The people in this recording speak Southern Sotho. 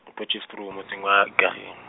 Potchefstroom motseng wa Ikageng.